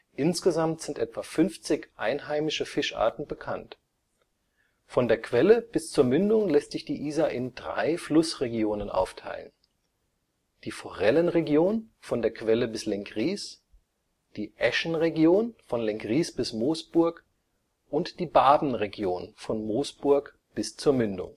Insgesamt sind etwa 50 einheimische Fischarten bekannt. Von der Quelle bis zur Mündung lässt sich die Isar in drei Flussregionen aufteilen: die Forellenregion von der Quelle bis Lenggries, die Äschenregion von Lenggries bis Moosburg und die Barbenregion von Moosburg bis zur Mündung